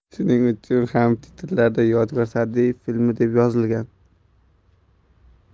shuning uchun ham titrlarda yodgor sa'diyev filmi deb yozilgan